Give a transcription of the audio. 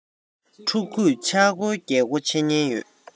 ཕྲུ གུས ཆག སྒོའི རྒྱལ སྒོ ཕྱེ ཉེན ཡོད